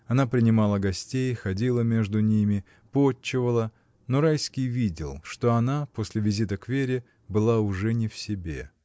Она принимала гостей, ходила между ними, потчевала, но Райский видел, что она, после визита к Вере, была уже не в себе.